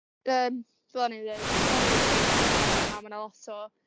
Yym fel oni'n deu' Dinorwig dringo yym a ma' 'na lot o